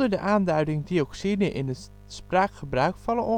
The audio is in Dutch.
de aanduiding dioxine in het spraakgebruik